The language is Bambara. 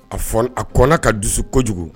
A a kɔnɔ ka dusu kojugu